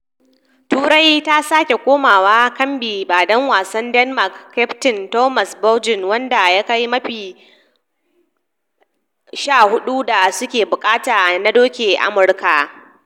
Turai ta sake komawa kambi da dan wasan Denmark kyaftin Thomas Bjorn wanda ya kai maki 14.5 da suke buƙata na doke Amurka.